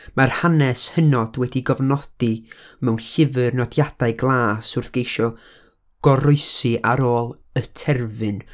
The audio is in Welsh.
'Mae'r hanes hynod wedi'i gofnodi mewn llyfr' 'nodiadau glas wrth geisio goroesi ar ôl y terfyn,'